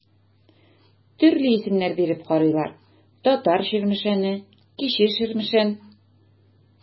Төрле исемнәр биреп карыйлар: Татар Чирмешәне, Кече Чирмешән.